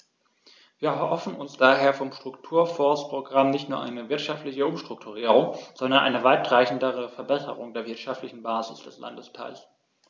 Wir erhoffen uns daher vom Strukturfondsprogramm nicht nur eine wirtschaftliche Umstrukturierung, sondern eine weitreichendere Verbesserung der wirtschaftlichen Basis des Landesteils.